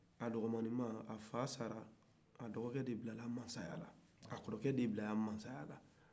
a fitinin ma a fa sara a kɔrɔkɛ de bilala masaya la